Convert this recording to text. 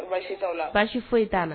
Basi foyi e t'a na